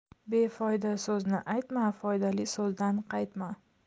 befoyda so'zni aytma foydali so'zdan qaytma